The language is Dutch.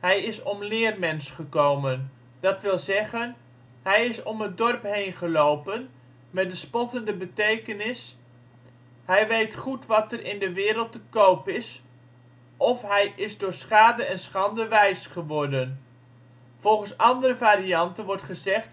(Hij is om Leermens gekomen), dat wil zeggen: hij is om het dorp heen gelopen, met de spottende betekenis: hij weet goed wat er in de wereld te koop is, of hij is door schade en schande wijs geworden. Volgens andere varianten wordt gezegd